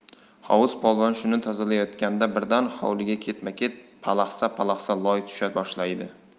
hovuz polvon shuni tozalayotganda birdan hovliga ketma ket palaxsa palaxsa loy tusha boshlaydi